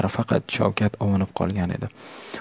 faqat shavkat ovunib qolgan edi